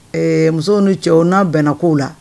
Ɛɛ muso ni cɛw n'a bɛnna k'o la